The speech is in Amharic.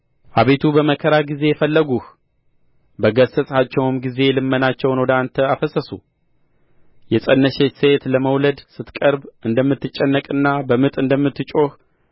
አቤቱ በመከራ ጊዜ ፈለጉህ በገሰጽሃቸውም ጊዜ ልመናቸውን ወደ አንተ አፈሰሱ የፀነሰች ሴት ለመውለድ ስትቀርብ እንደምትጨነቅና በምጥ እንደምትጮኽ